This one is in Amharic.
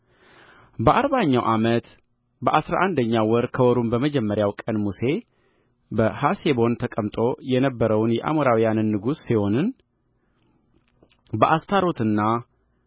በአርባኛው ዓመት በአሥራ አንደኛው ወር ከወሩም በመጀመሪያው ቀን ሙሴ በሐሴቦን ተቀምጦ የነበረውን የአሞራውያንን ንጉሥ ሴዎንን በአስታሮትና